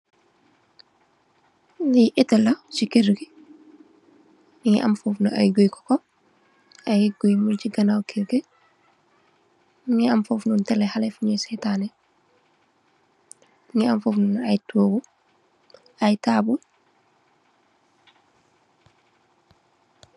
Li arta la ci kër gi, mungi am fofunoon ay gouyè coco, ay gouyè mung ci ganaaw kër yi. Mungi am fofunoon telè haley funo sètanè, mungi am fofunoon ay toogu, ay taabul.